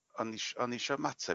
O'n i isi- o'n i isio ymateb...